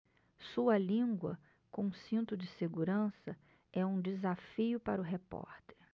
sua língua com cinto de segurança é um desafio para o repórter